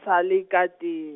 sa le ka teng.